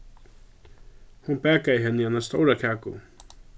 hon bakaði henni eina stóra kaku